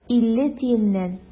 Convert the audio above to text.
Илле тиеннән.